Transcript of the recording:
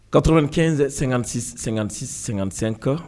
Katoc in sɛgɛng sɛgɛngsen kan